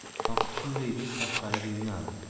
zohid shunday deb tashqariga yo'naldi